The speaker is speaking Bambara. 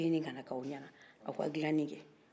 ciɲɛnin kana k'aw ɲanan aw ka dilanin kɛ